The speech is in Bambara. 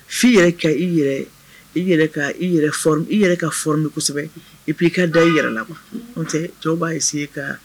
F' i yɛrɛ ka i yɛrɛ i yɛrɛ i yɛrɛ ka fɔsɛbɛ ipi i ka da i yɛrɛ la tɛ tu b'a ye sigi ka